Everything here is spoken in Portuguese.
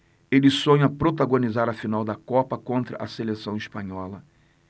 ele sonha protagonizar a final da copa contra a seleção espanhola